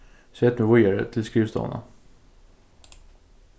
set meg víðari til skrivstovuna